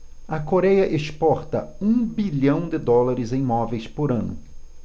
a coréia exporta um bilhão de dólares em móveis por ano